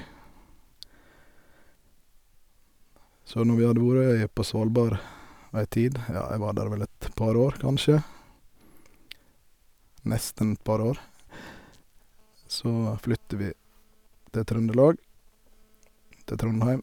Så når vi hadde vore i på Svalbard ei tid, ja, jeg var der vel et par år, kanskje, nesten et par år, så flytta vi til Trøndelag, til Trondheim.